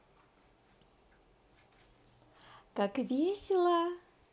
как весело